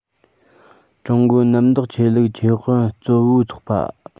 ཀྲུང གོའི གནམ བདག ཆོས ལུགས ཆོས དཔོན གཙོ བོའི ཚོགས པ